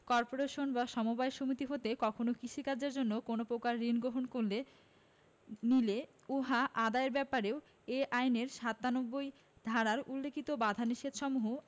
corporation বা সমবায় সমিতি হতে কখনো কৃষি কাজের জন্য কোন প্রকার ঋণ গ্রহণ করলে নিলে উহা আদায়ের ব্যাপারে এ আইনের ৯৭ ধারায় উল্লেখিত বাধানিষেধসমূহ